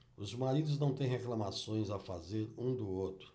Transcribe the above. os maridos não têm reclamações a fazer um do outro